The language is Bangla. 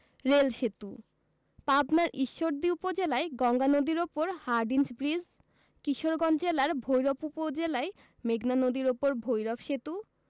রেল সেতুঃ পাবনার ঈশ্বরদী উপজেলায় গঙ্গা নদীর উপর হার্ডিঞ্জ ব্রিজ কিশোরগঞ্জ জেলার ভৈরব উপজেলায় মেঘনা নদীর উপর ভৈরব সেতু